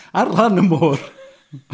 Ar lan y môr .